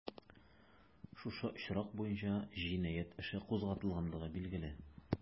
Шушы очрак буенча җинаять эше кузгатылганлыгы билгеле.